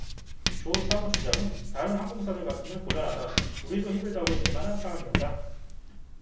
조 사무총장은 다른 항공사들 같으면 곤란하다 우리도 힘들다고 했을 만한 상황이었다